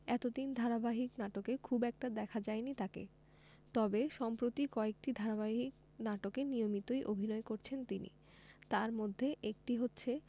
এতদিন ধারাবাহিক নাটকে খুব একটা দেখা যায়নি তাকে তবে সম্প্রতি কয়েকটি ধারাবাহিক নাটকে নিয়মিতই অভিনয় করছেন তিনি তার মধ্যে একটি হচ্ছে